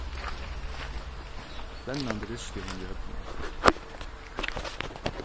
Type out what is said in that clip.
flennandi risti hon við høvdinum